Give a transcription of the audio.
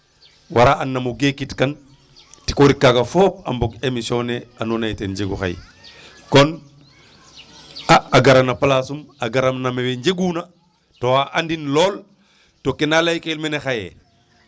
Wara and nam o gekitka tikorit kaaga fop a mbog émission ne andoona yee ten jegu xaye kon a gara no place um a gar no mbe njeguna to a andin lool no ke na laykel mene xaye.